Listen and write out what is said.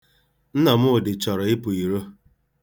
Nnamdị chọrọ ịpụ iro.